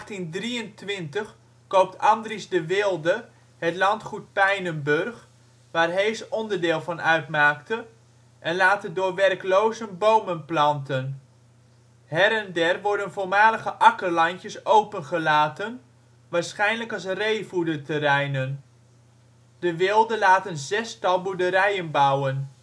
In 1823 koopt Andries de Wilde het landgoed Pijnenburg, waar Hees onderdeel van uitmaakte, en laat er door werklozen bomen planten. Her en der worden voormalige akkerlandjes opengelaten, waarschijnlijk als reevoederterreinen. De Wilde laat een zestal boerderijen bouwen